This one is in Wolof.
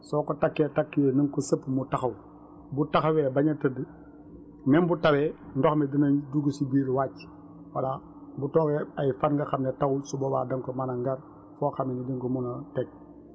soo ko takkee takk yooyu na nga ko sëpp mu taxaw bu taxawee bañ a tëdd même bu tawee ndox mi dinañ dugg si biir wàcc voilà bu toogee ay fan nga xam ne tawul su boobaa da nga mën a ngar foo xam ni di nga ko mun a teg